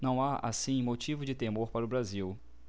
não há assim motivo de temor para o brasil